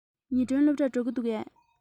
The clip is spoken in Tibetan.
ཉི སྒྲོན སློབ གྲྭར འགྲོ གི འདུག གས